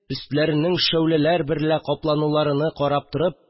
Өстләренең шәүләләр берлә капланганыны карап торып